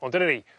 Ond dyna ni